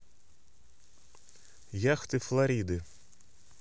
яхты флориды